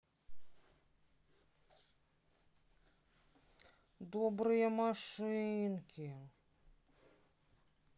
добрые машинки